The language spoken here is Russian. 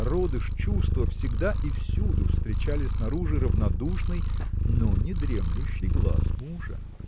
зародыш чувства всегда и всюду встречали снаружи равнодушный но недремлющий глаз мужа.